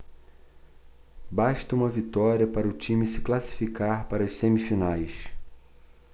basta uma vitória para o time se classificar para as semifinais